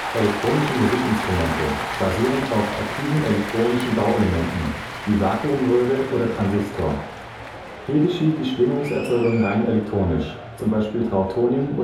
Elektronische Musikinstrumente basierend auf aktiven elektronischen Bauelementen wie Vakuumröhre oder Transistor. Hier geschieht die Schwingungserzeugung rein elektronisch. (z. B. Trautonium